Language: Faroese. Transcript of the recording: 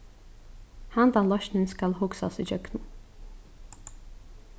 handan loysnin skal hugsast ígjøgnum